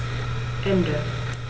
Ende.